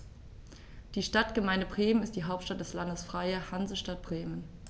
Die Stadtgemeinde Bremen ist die Hauptstadt des Landes Freie Hansestadt Bremen.